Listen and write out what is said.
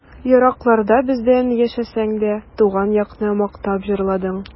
Еракларда бездән яшәсәң дә, Туган якны мактап җырладың.